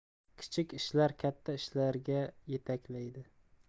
kichik ishlar katta ishlarga yetaklaydi